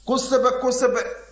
kosɛbɛ kosɛbɛ